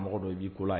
Mɔgɔ dɔ y'i ko ye